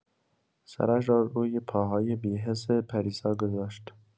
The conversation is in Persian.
سرش را روی پاهای بی‌حس پریسا گذاشت.